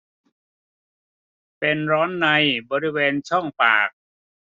เป็นร้อนในบริเวณช่องปาก